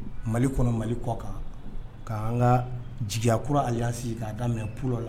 Mali kɔnɔ mali kɔ kan kan ka diɲɛya kura ali sigi k'a daminɛ bolo la